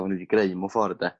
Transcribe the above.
odda ni 'di greu mewn ffor 'de?